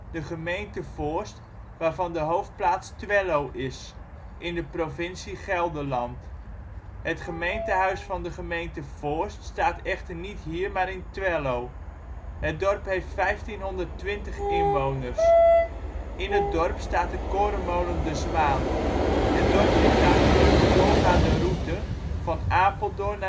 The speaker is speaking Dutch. de gemeente Voorst waarvan de hoofdplaats Twello is, in de provincie Gelderland. Het gemeentehuis van de gemeente Voorst staat echter niet hier, maar in Twello. Het dorp heeft 1520 inwoners (2007). In het dorp staat de korenmolen De Zwaan. Het dorp ligt aan de drukke doorgaande route van Apeldoorn